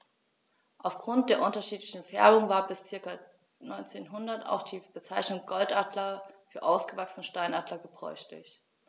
Auf Grund der unterschiedlichen Färbung war bis ca. 1900 auch die Bezeichnung Goldadler für ausgewachsene Steinadler gebräuchlich.